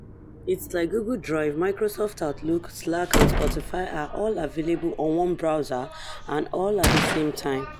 What's unique about the personal online data store is that it is completely up to the user who can access what kind of information.